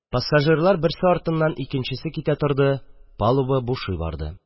Пассажирлар берсе артыннан икенчесе китә торды, палуба бушый барды